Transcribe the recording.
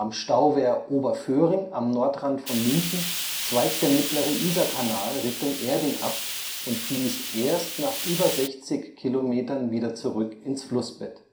Stauwehr Oberföhring am Nordrand von München zweigt der Mittlere-Isar-Kanal Richtung Erding ab und fließt erst nach über 60 Kilometern wieder zurück ins Flussbett